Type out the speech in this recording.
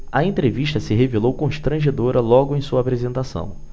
a entrevista se revelou constrangedora logo em sua apresentação